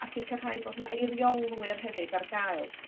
a sicrhau fod 'na eiriolwyr hefyd ar gael